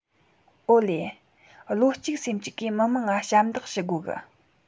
ཨོ ལེ བློ གཅིག སེམས གཅིག གིས མི དམངས ང ཞབས འདེགས ཞུ དགོ གི